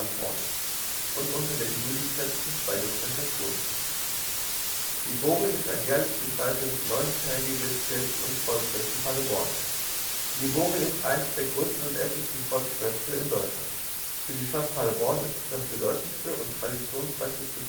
Unported und unter der GNU Lizenz für freie Dokumentation. Beisetzung des Liborischreins nach der Festandacht am Dienstag Libori ist ein jährlich gefeiertes neuntägiges Kirchen - und Volksfest in Paderborn. Libori ist eines der größten und ältesten Volksfeste in Deutschland. Für die Stadt Paderborn ist es das bedeutendste und traditionsreichste